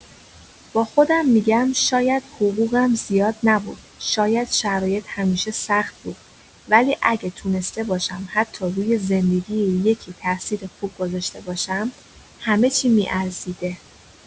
با خودم می‌گم شاید حقوقم زیاد نبود، شاید شرایط همیشه سخت بود، ولی اگه تونسته باشم حتی روی زندگی یکی تاثیر خوب گذاشته باشم، همه‌چی می‌ارزیده.